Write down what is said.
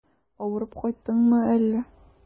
Авырып кайттыңмы әллә?